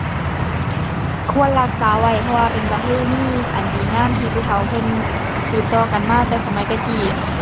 ควรรักษาไว้ เพราะว่าเป็นประเพณีอันดีงามที่ผู้เฒ่าเพิ่นสืบต่อกันมาแต่สมัยแต่กี้